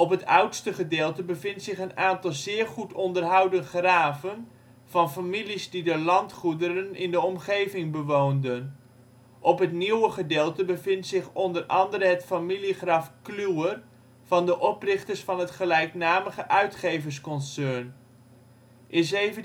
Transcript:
het oudste gedeelte bevindt zich een aantal zeer goed onderhouden graven van families die de landgoederen in de omgeving bewoonden. Op het nieuwe gedeelte bevindt zich onder andere het familiegraf Kluwer, van de oprichters van het gelijknamige uitgeversconcern (Kluwer). In 1785